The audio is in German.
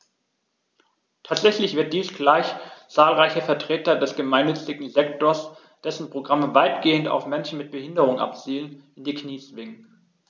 Tatsächlich wird dies gleich zahlreiche Vertreter des gemeinnützigen Sektors - dessen Programme weitgehend auf Menschen mit Behinderung abzielen - in die Knie zwingen.